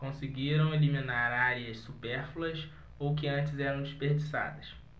conseguiram eliminar áreas supérfluas ou que antes eram desperdiçadas